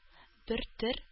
Бертөр